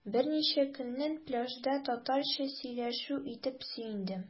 Берничә көннән пляжда татарча сөйләшү ишетеп сөендем.